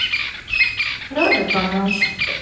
рада помочь